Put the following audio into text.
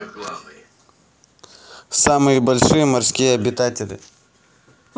самые большие морские обитатели